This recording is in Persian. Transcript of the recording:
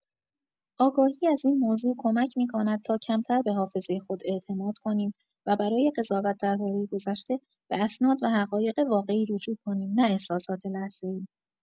آگاهی از این موضوع کمک می‌کند تا کمتر به حافظۀ خود اعتماد کنیم و برای قضاوت دربارۀ گذشته، به اسناد و حقایق واقعی رجوع کنیم، نه احساسات لحظه‌ای.